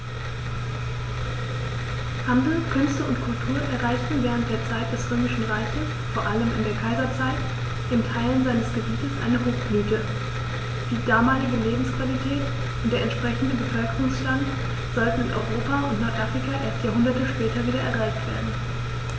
Handel, Künste und Kultur erreichten während der Zeit des Römischen Reiches, vor allem in der Kaiserzeit, in Teilen seines Gebietes eine Hochblüte, die damalige Lebensqualität und der entsprechende Bevölkerungsstand sollten in Europa und Nordafrika erst Jahrhunderte später wieder erreicht werden.